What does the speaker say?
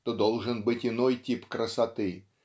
то должен быть иной тип красоты